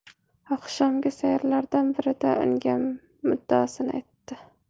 oqshomgi sayrlardan birida unga muddaosini aytdi